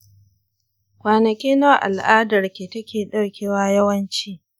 kwanaki nawa al'adarki take ɗauka yawanci?